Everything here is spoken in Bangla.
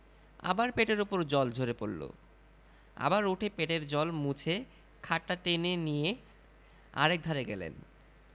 আবার পেটের উপর জল ঝরে পড়ল আবার উঠে পেটের জল মুছে খাটটা টেনে নিয়ে আর একধারে গেলেন